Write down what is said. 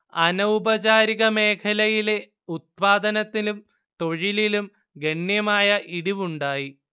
അനൗപചാരിക മേഖലയിലെ ഉത്പാദനത്തിലും തൊഴിലിലും ഗണ്യമായ ഇടിവുണ്ടായി